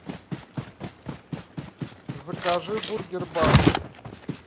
закажи бургер бар